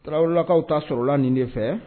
Tarawele lakaw ta sɔrɔla nin de fɛ.